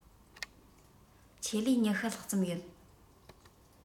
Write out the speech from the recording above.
ཆེད ལས ༢༠ ལྷག ཙམ ཡོད